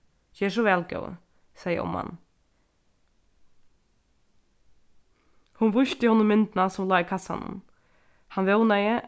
ger so væl góði segði omman hon vísti honum myndina sum lá í kassanum hann vónaði